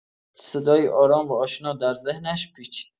صدایی آرام و آشنا در ذهنش پیچید.